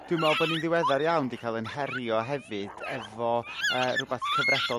Dwi'n meddwl bo ni'n ddiweddar iawn 'di call 'yn herio hefyd efo yrr r'wbath cyfredol